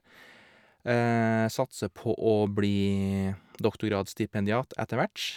Jeg satser på å bli doktorgradsstipendiat etter hvert.